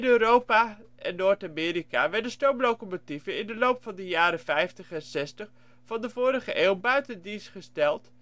Europa en Noord-Amerika werden stoomlocomotieven in de loop van jaren ' 50 en ' 60 van de vorige eeuw buiten dienst gesteld